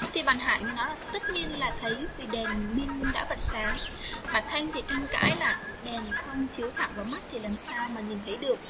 tất nhiên là thấy vì đèn pin đã bật sáng mặt anh thì tranh cãi là đèn không chiếu thẳng vào mắt thì làm sao mà nhìn thấy được